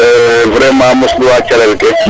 vraiment moslu wa calel ke